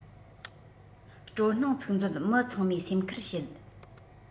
སྤྲོ སྣང ཚིག མཛོད མི ཚང མས སེམས ཁུར བྱེད